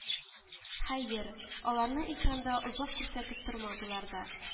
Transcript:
Хәер, аларны экранда озак күрсәтеп тормадылар да